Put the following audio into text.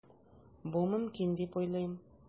Бу мөмкин дип уйлыйм.